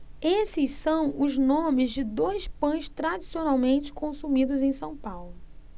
esses são os nomes de dois pães tradicionalmente consumidos em são paulo